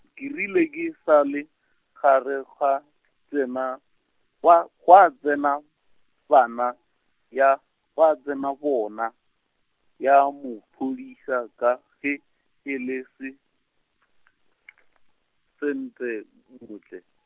ke rile ke sa le, ga re gwa , tsena, gwa gwa tsena, bana ya, gwa tsena bona, ya mo -phodisa ka ge e le se , sente Motlae.